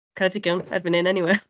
Ceredigion erbyn hyn eniwe!